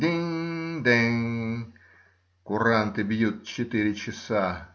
Динг-данг!" Куранты бьют четыре часа.